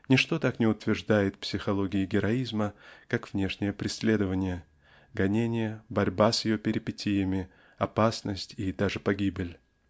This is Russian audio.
Ничто так не утверждает психологии героизма как внешние преследования гонения борьба с ее перипетиями опасность и даже погибель.